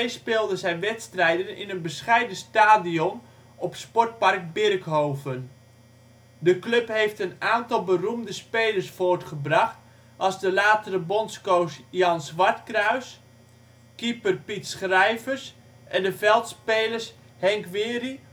speelde zijn wedstrijden in een bescheiden stadion op sportpark Birkhoven. De club heeft een aantal beroemde spelers voortgebracht als de latere bondscoach Jan Zwartkruis, keeper Piet Schrijvers, en de veldspelers Henk Wery